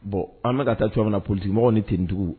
Bon an bɛka ka taa cogoya ka na poli quemɔgɔw ni tɛtigiw